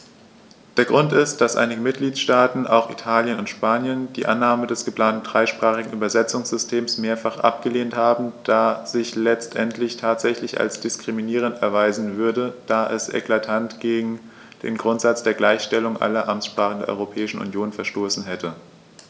Der Grund ist, dass einige Mitgliedstaaten - auch Italien und Spanien - die Annahme des geplanten dreisprachigen Übersetzungssystems mehrfach abgelehnt haben, das sich letztendlich tatsächlich als diskriminierend erweisen würde, da es eklatant gegen den Grundsatz der Gleichstellung aller Amtssprachen der Europäischen Union verstoßen hätte.